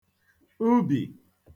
ubì